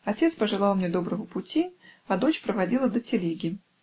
отец пожелал мне доброго пути, а дочь проводила до телеги.